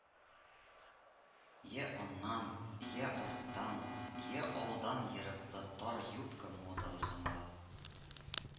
Йә аннан, йә арттан, йә алдан ерыклы тар юбка модалы санала